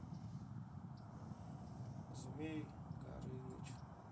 змей горыныч